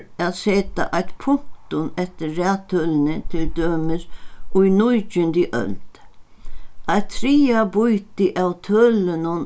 at seta eitt punktum eftir raðtølini til dømis í nítjandu øld eitt triðja býti av tølunum